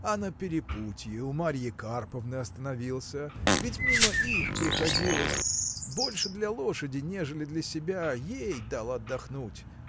– А на перепутье у Марьи Карповны остановился. Ведь мимо их приходилось больше для лошади, нежели для себя ей дал отдохнуть.